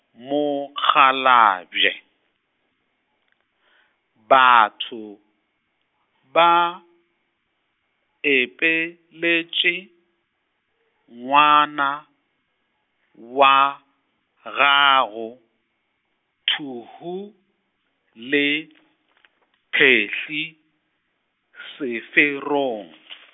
mokgalabje , batho, ba, epeletše, ngwana, wa, gago, Thuhu, le , Phehli, seferong.